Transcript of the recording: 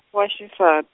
wa xisat-.